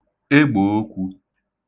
egbòokwū